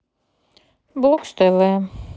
бокс тв